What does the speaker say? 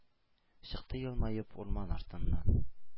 Чыкты елмаеп урман артыннан.